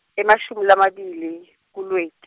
emashumi lamabili kuLweti.